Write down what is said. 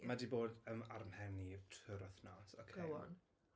Mae 'di bod yym ar y'm mhen i trwy'r wythnos. OK?...Go on.